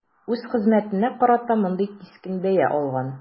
Үз хезмәтенә карата мондый кискен бәя алган.